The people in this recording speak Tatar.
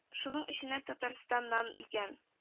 Шуның эченнән татарстаннан икән